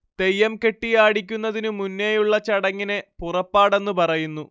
തെയ്യം കെട്ടിയാടിക്കുന്നതിനുമുന്നേയുള്ള ചടങ്ങിനെ പുറപ്പാടെന്ന് പറയുന്നു